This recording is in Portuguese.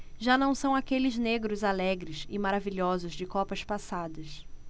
já não são aqueles negros alegres e maravilhosos de copas passadas